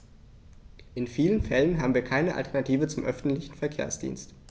In vielen Fällen haben wir keine Alternative zum öffentlichen Verkehrsdienst.